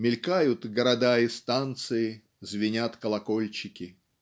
мелькают города и станции, звенят колокольчики.